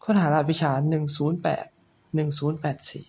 ค้นหารหัสวิชาหนึ่งศูนย์แปดหนึ่งศูนย์แปดสี่